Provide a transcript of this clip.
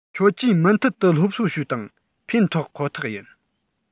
ཁྱོད ཀྱིས མུ མཐུད དུ སློབ གསོ བྱོས དང ཕན ཐོགས ཁོ ཐག ཡིན